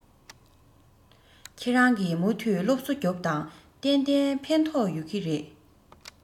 ཁྱེད རང གིས མུ མཐུད སློབ གསོ རྒྱོབས དང གཏན གཏན ཕན ཐོགས ཡོད ཀྱི རེད